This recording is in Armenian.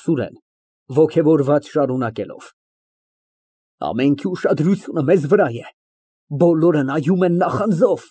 ՍՈՒՐԵՆ ֊ (Ոգևորված շարունակելով) Ամենքի ուշադրությունը մեզ վրա է, բոլորը նայում են նախանձով։